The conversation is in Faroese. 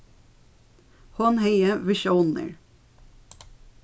hon hevði visjónir